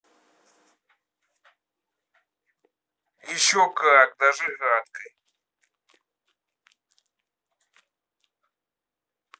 еще как даже гадкой